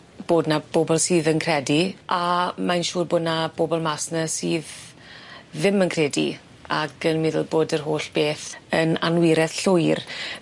###bod 'na bobol sydd yn credu a mae'n siŵr bo' 'na bobol mas 'na sydd ddim yn credu ac yn meddwl bod yr holl beth yn anwiredd llwyr.